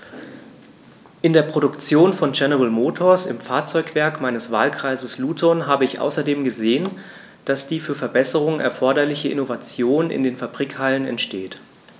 In der Produktion von General Motors, im Fahrzeugwerk meines Wahlkreises Luton, habe ich außerdem gesehen, dass die für Verbesserungen erforderliche Innovation in den Fabrikhallen entsteht.